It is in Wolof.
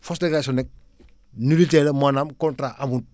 fausse déclaration nag nulité la maanaam contrat amul